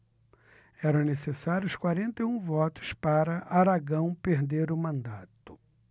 eram necessários quarenta e um votos para aragão perder o mandato